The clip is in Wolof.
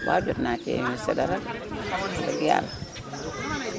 waaw jot naa cee investir dara de wax dëgg yàlla